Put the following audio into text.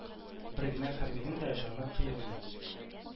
Бер генә хәрбинең дә җаны кыелмый.